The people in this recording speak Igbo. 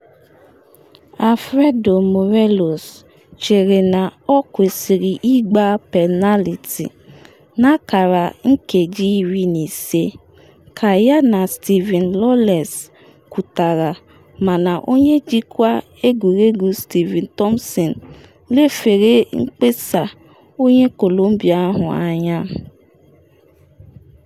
Alfredo Morelos chere na ọ kwesịrị ịgba penaliti n’akara nkeji iri na ise ka ya na Steven Lawless kụtara mana onye njikwa egwuregwu Steven Thomson lefere mkpesa onye Columbia ahụ anya.